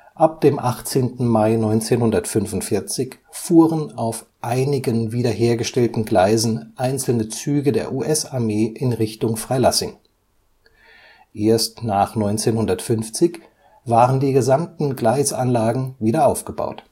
Ab dem 18. Mai 1945 fuhren auf einigen wiederhergestellten Gleisen einzelne Züge der US-Armee in Richtung Freilassing. Erst nach 1950 waren die gesamten Gleisanlagen wiederaufgebaut